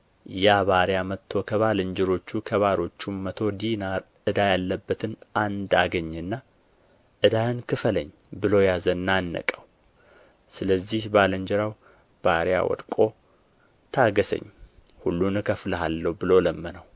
ያ ባሪያ ወጥቶ ከባልንጀሮቹ ከባሮቹ መቶ ዲናር ዕዳ ያለበትን አንዱን አገኘና ዕዳህን ክፈለኝ ብሎ ያዘና አነቀው ስለዚህ ባልንጀራው ባሪያ ወድቆ ታገሠኝ ሁሉንም እከፍልሃለሁ ብሎ ለመነው